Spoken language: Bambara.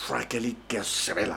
Furakɛli kɛ sɛbɛ la